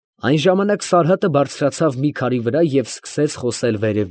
Այն ժամանակ Սարհատը բարձրացավ մի քարի վրա և սկսեց վերևից խոսել։ ֊